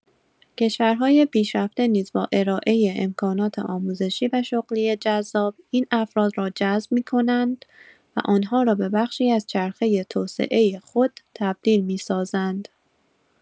کشورهای پیشرفته نیز با ارائه امکانات آموزشی و شغلی جذاب، این افراد را جذب می‌کنند و آن‌ها را به بخشی از چرخه توسعه خود تبدیل می‌سازند.